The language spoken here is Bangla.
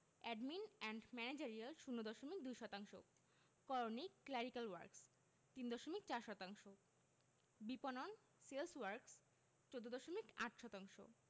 এডমিন এন্ড ম্যানেজারিয়াল ০ দশমিক ২ শতাংশ করণিক ক্ল্যারিক্যাল ওয়ার্ক্স ৩ দশমিক ৪ শতাংশ বিপণন সেলস ওয়ার্ক্স ১৪দশমিক ৮ শতাংশ